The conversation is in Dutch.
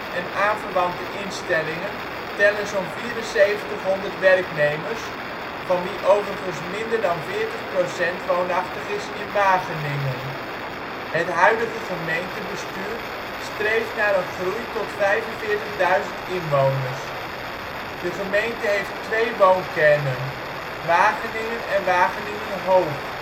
en aanverwante instellingen tellen zo 'n 7400 werknemers, van wie overigens minder dan 40 % woonachtig is in Wageningen. Het huidige gemeentebestuur streeft naar een groei tot 45.000 inwoners. De gemeente heeft twee woonkernen: Wageningen en Wageningen-Hoog